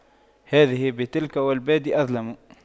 هذه بتلك والبادئ أظلم